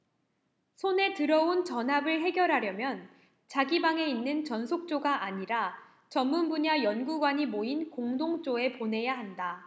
손에 들어온 전합을 해결하려면 자기 방에 있는 전속조가 아니라 전문분야 연구관이 모인 공동조에 보내야 한다